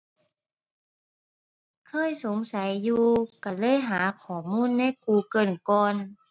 เคยสงสัยอยู่ก็เลยหาข้อมูลใน Google ก่อน